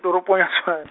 toropong ya Tshwan- .